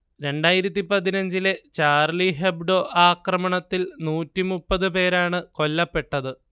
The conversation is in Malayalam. രണ്ടായിരത്തിപതിനഞ്ചിലെ ചാർളി ഹെബ്ഡോ ആക്രമണത്തിൽ നൂറ്റിമുപ്പത് പേരാണ് കൊല്ലപ്പെട്ടത്